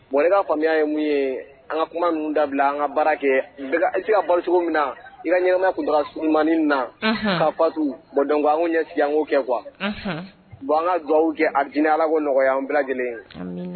Bon n'a faamuyamuya ye mun ye an ka kuma ninnu dabila an ka baara kɛ isi ka balocogo min na i ɲɛnama tun da surunmani na ka fatu bɔn dɔn an ɲɛko kɛ kuwa bon an ka dugawu jɛ a di ala ko nɔgɔya an bila lajɛlen